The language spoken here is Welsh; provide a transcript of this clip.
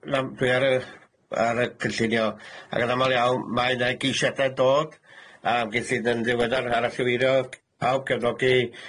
Yn am- dwi ar y ar y cynllunio, ag yn amal iawn mae 'na geisiadau'n dod yym gellid yn ddiweddar arallgyfeirio, c- pawb cefnogi,